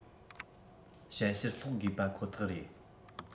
བཤད ཕྱིར སློག དགོས པ ཁོ ཐག རེད